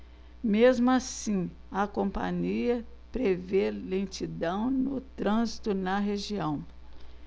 mesmo assim a companhia prevê lentidão no trânsito na região